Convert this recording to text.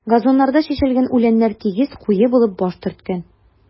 Газоннарда чәчелгән үләннәр тигез, куе булып баш төрткән.